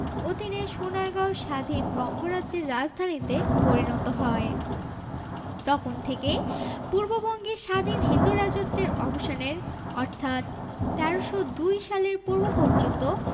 অধীনে সোনারগাঁও স্বাধীন বঙ্গরাজ্যের রাজধানীতে পরিণত হয় তখন থেকে পূর্ববঙ্গে স্বাধীন হিন্দু রাজত্বের অবসানের অর্থাৎ ১৩০২ সালের পূর্ব পর্যন্ত